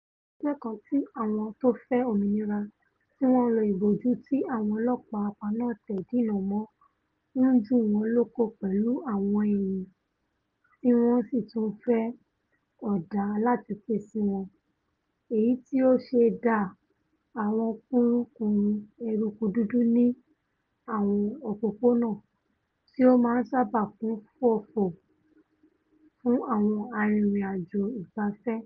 Ẹgbẹ́ kan ti àwọn tó fẹ́ omìnira tíwọn lo ìbòjú tí àwọn ọlọ́ọ̀pá apaná-ọ̀tẹ̀ dínà mọ́ ńju wọ́n lókò pẹ̀lú àwọn ẹyin ti wọn sì tún ńfẹ́ ọ̀dà aláàtíkè sí wọn, èyití ó ṣẹ̀dá àwọn kùrukùru eruku dúdú ní àwọn òpópónà tí ó máa ńsáábà kún fọ́fọ́ fún àwọn arìnrìn-àjò ìgbafẹ́.